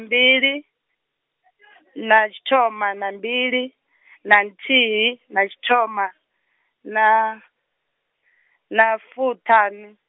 mbili, na tshithoma na mbili, na nthihi, na tshithoma, na, na fuṱhanu.